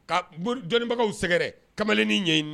Ka boli dɔnnibagaw sɛgɛrɛ kamalennin ɲɛɲini